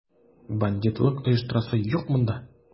Бандитлык оештырасы юк монда!